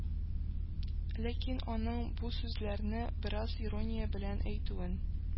Ләкин аның бу сүзләрне бераз ирония белән әйтүен